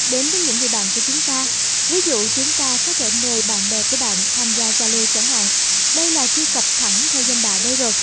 đến với những người bạn của chúng ta ví dụ chúng ta có thể mời bạn bè của bạn tham gia zalo chẳng hạn đây là truy cập thẳng theo danh bạ đây rồi